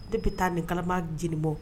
Ne bɛ taa ni kalama j bɔ